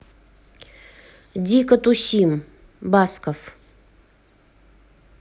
дико тусим басков